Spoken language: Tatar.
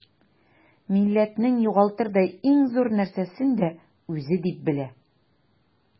Милләтнең югалтырдай иң зур нәрсәсен дә үзе дип белә.